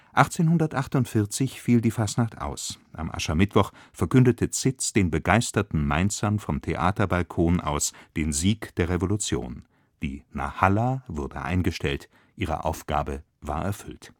1848 fiel die Fastnacht aus, am Aschermittwoch verkündete Zitz den begeisterten Mainzern vom Theaterbalkon aus den Sieg der Revolution. Die „ Narrhalla “wurde eingestellt, ihre Aufgabe war erfüllt